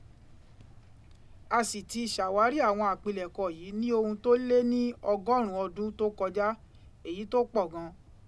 A sì ti ṣàwárí àwọn àpilẹ̀kọ yìí ní ohun tó lé ní ọgọ́rùn ún ọdún tó kọjá, èyí tó pọ̀ gan an.